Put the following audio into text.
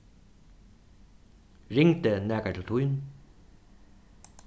ringdi nakar til tín